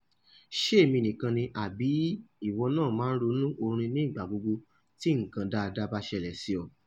Ṣé èmi nìkan ni àbí ìwọ náà máa ronú orin ní gbogbo ìgbà tí nǹkan dáadáa bá ṣẹlẹ̀ sí ọ.